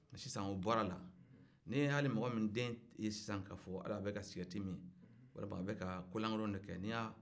mɛ sisan o bɔra la i ye hali mɔgɔ min den ye sisan ka fɔ ko hal'a bɛka sigarɛti min walima a bɛka kolankolon dɔ kɛ